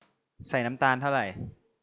ใส่น้ำตาลเท่าไร